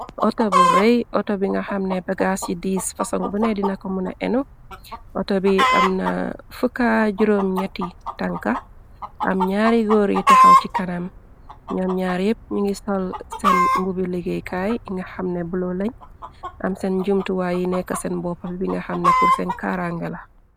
Auto bu rey, auto bi nga xamne bagaas ci diis fasoŋg bune dina ko muna inu, auto bi am na fukk-juroom ñatti tanka, am ñaari góor yi texaw ci kanam, ñoom ñaar yépp ñi ngi sol seen mbubi liggéeykaay yi nga xam ne buloo lañ, am seen jumtuwaa yi nekka seen boppa bi, nga xamne pur seen karangala.